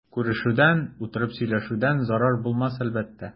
Күрешүдән, утырып сөйләшүдән зарар булмас әлбәттә.